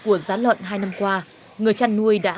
của xã lợn hai năm qua người chăn nuôi đã